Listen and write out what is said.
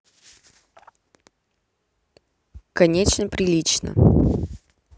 конечно прилично